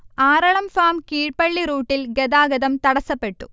Aralam farm Keezhpalli റൂട്ടിൽ ഗതാഗതം തടസ്സപ്പെട്ടു